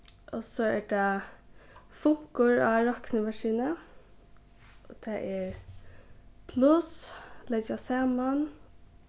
og so er tað funkur á roknimaskinu tað er pluss leggja saman